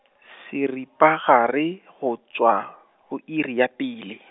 seripagare go tšwa, go iri ya pele.